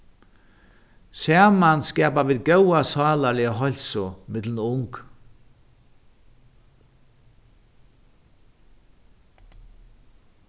saman skapa vit góða sálarliga heilsu millum ung